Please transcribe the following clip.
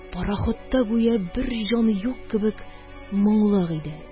Парахутта гүя бер җан юк кебек моңлык иде